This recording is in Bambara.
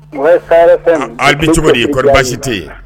An bi cogo de ye kɔrɔɔri baasite ye